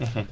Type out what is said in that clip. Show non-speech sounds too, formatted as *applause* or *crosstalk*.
*hesitation* *hesitation*